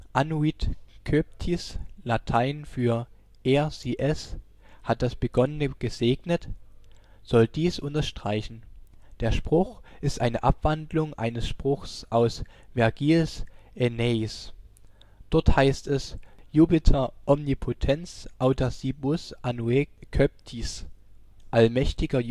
ANNUIT CŒPTIS (lat.: er/sie/es hat das Begonnene gesegnet) soll dies unterstreichen. Der Spruch ist eine Abwandlung eines Spruchs aus Vergils Aeneis. Dort heißt es: " Jupiter omnipotens, audacibus annue cœptis. " (Allmächtiger